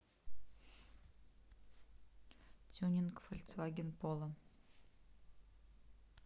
тюнинг фольксваген поло